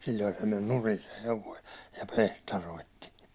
silloin se meni nurin se hevonen ja piehtaroitsi